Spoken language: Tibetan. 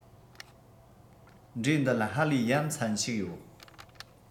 འབྲས འདི ལ ཧ ལས ཡ མཚན ཞིག ཡོད